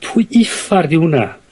pwy uffar 'di hwnna?